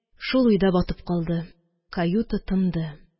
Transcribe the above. Шул уйда батып калды, каюта тынды.